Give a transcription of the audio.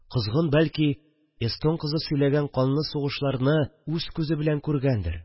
Козгын, бәлки, эстон кызы сөйләгән канлы сугышларны үз күзе белән күргәндер